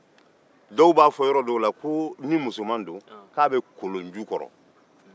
ni musoman don dɔw b'a fɔ yɔrɔ dɔw la k'a be kolonju kɔrɔ